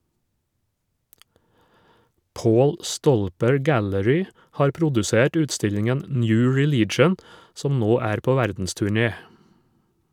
Paul Stolper Gallery har produsert utstillingen «New Religion», som nå er på verdensturné.